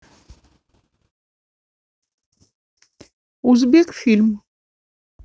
узбек фильм